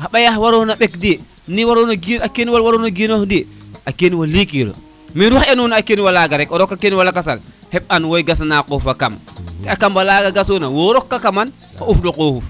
xa ɓayaxe warona xa ɓek de ne waro genu a ken waxe warona genoox de a keen wa ndigilo mbanu xaƴona a keen wa laga rek o rok a keen wa lakasa le xeɓ an waxay gasana xoxof a kam to a taɓala ga gasona wo roka kaman wo rok nu xoxof